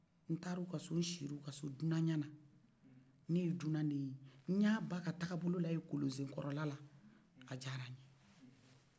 n'taara o ka so n shila o ka so dunay'ala n ye dunan ne ye n ye ba ka tabolo la jɛ kolo se kɔrɔ a jala n ye